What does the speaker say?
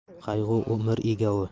qayg'u umr egovi